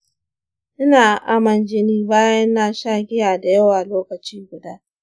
ina aman jini bayan na sha giya da yawa lokaci guda.